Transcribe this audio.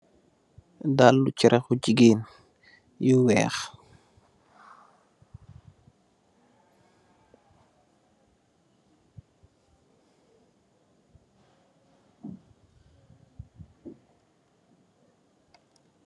Daalu charahu jegain yu weeh.